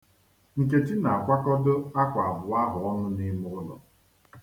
Nkechi na-akwakọdo akwa abụọ ahụ ọnụ n'ime ụlọ.